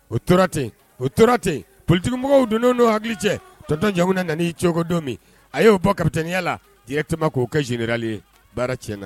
O tora ten o tora ten politigiwmɔgɔw donna don hakili cɛ tɔntɔn ɲa na na cogo don min a y'o bɔ katetɛya la tema k'o ka jera ye baara tiɲɛna